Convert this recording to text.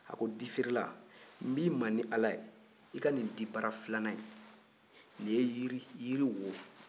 a ko di feerela n bɛ i ma ni ala ye i ka nin dibara filanan in nin ye yiri wo